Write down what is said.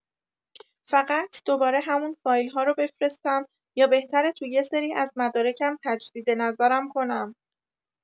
فقط دوباره همون فایل‌ها رو بفرستم یا بهتره تو یسری از مدارکم تجدید نظرم کنم؟